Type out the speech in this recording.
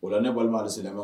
O ne balimanw alisilamɛw